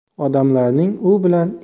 odamlarning u bilan